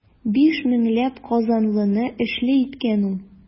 Биш меңләп казанлыны эшле иткән ул.